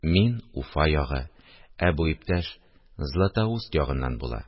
Мин – Уфа ягы, ә бу иптәш Златоуст ягыннан була